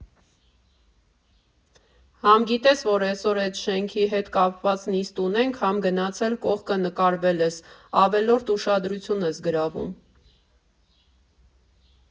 Համ գիտես, որ էսօր էտ շենքի հետ կապված նիստ ունենք, համ գնացել կողքը նկարվել ես, ավելորդ ուշադրություն ես գրավում…